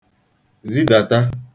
zidàta